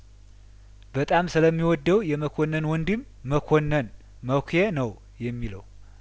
በጣም ስለሚ ወደው የመኮንን ወንድም መኮንን መኳ ነው የሚለው